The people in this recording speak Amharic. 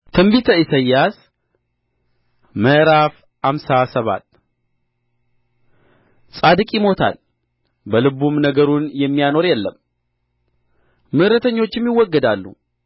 ትንቢተ ኢሳይያስ ምዕራፍ ሃምሳ ሰባት ጻድቅ ይሞታል በልቡም ነገሩን የሚያኖር የለም ምሕረተኞችም ይወገዳሉ